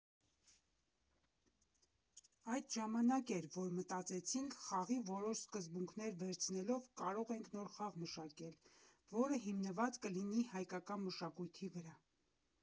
Այդ ժամանակ էր, որ մտածեցինք՝ խաղի որոշ սկզբունքեր վերցնելով կարող ենք նոր խաղ մշակել, որը հիմնված կլինի հայկական մշակույթի վրա։